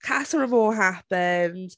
Casa Amor happened.